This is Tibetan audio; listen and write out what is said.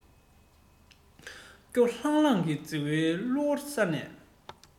སྐྱོ ལྡང ལྡང གི རྫི བོའི ལ གླུ བོར ས ནས